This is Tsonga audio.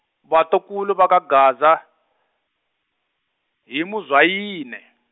vatukulu va ka Gaza, hi Muzwayine.